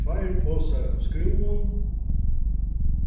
tveir posar av skrúvum